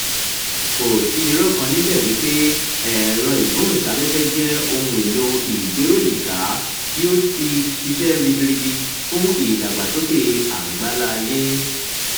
Kò sí irọ́ kan níbẹ̀ wípé Ẹ̀rọ-ìgbóhùnsáfẹ́fẹ́ jẹ́ ohun èlò ìgbéròyìn ká tí ó ti ṣiṣẹ́ ribiribi fún ìdàgbàsókè àgbà-ńlá ayé.